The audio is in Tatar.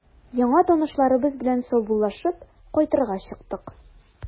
Яңа танышларыбыз белән саубуллашып, кайтырга чыктык.